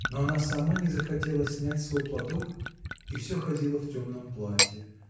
но она сама не захотела снять свой платок и все ходила в темном платье